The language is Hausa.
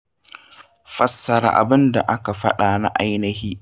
Fassara Abin da aka faɗa na ainihi